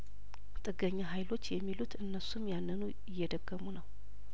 ጥገኛ ሀይሎች የሚሉት እነሱም ያንኑ እየደገሙ ነው